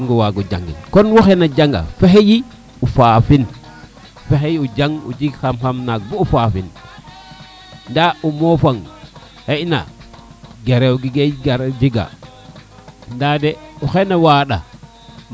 a sog ngo wago jangin kon wefe na janga fexeyi o faafin o fexey o jang o jeg xam xam naga bo o fafin jangin nda o mafa nga xayna jare o jige jara nda de xena waanda